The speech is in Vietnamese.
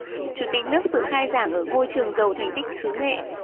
chủ tịch nước dự khai giảng ở ngôi trường giàu thành tích xứ nghệ